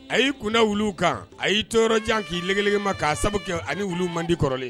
A y'i kunda wulu kan a y'i tojan k'i li ma k'a sababu kɛ ani wulu mandi kɔrɔ